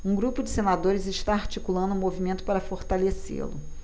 um grupo de senadores está articulando um movimento para fortalecê-lo